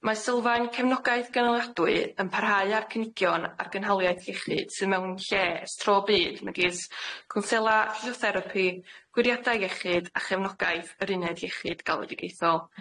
Mae sylfaen cefnogaeth ganoliadwy yn parhau â'r cynigion ar gynhaliaeth iechyd sydd mewn lle ers tro byd megis cownsela, physiotherapi, gwiriada' iechyd, a chefnogaeth yr uned iechyd galwadigaethol.